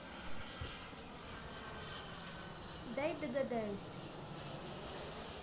дай догадаюсь